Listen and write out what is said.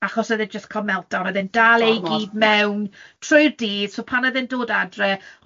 Achos oedd e jyst cael meltdown, oedd e'n dal e i gyd mewn trwy'r dydd, so pan oedd e'n dod adre,